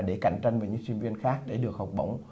để cạnh tranh với những sinh viên khác để được học bổng